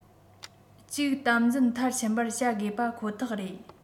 གཅིག དམ འཛིན མཐར ཕྱིན པར བྱ དགོས པ ཁོ ཐག རེད